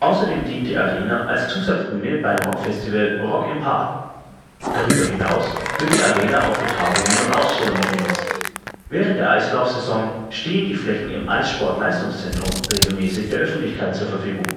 Außerdem dient die Arena als Zusatzbühne beim Rockfestival Rock im Park. Der Eingang der Arena Darüber hinaus wird die Arena auch für Tagungen und Ausstellungen genutzt. Während der Eislaufsaison stehen die Flächen im Eissportleistungszentrum regelmäßig der Öffentlichkeit zur Verfügung